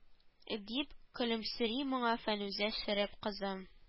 Дип көлемсери моңа фәнүзә шәрип кызы